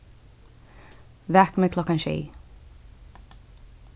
vak meg klokkan sjey